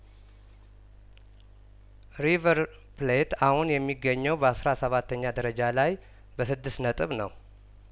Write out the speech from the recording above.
ሪቨር ፕሌት አሁን የሚገኘው በአስራሰባተኛ ደረጃ ላይ በስድስት ነጥብ ነው